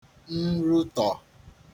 nrutọ̀